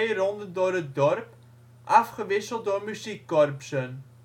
ronden door het dorp, afgewisseld door muziekkorpsen